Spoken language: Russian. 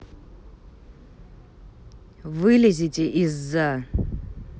вылезите из за